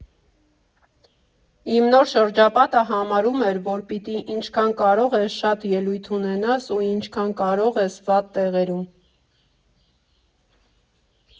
Իմ նոր շրջապատը համարում էր, որ պիտի ինչքան կարող ես շատ ելույթ ունենաս ու ինչքան կարող ես վատ տեղերում։